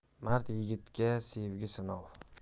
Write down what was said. mard yigitga sevgi sinov